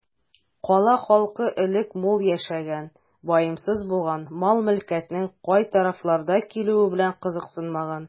Кала халкы элек мул яшәгән, ваемсыз булган, мал-мөлкәтнең кай тарафлардан килүе белән кызыксынмаган.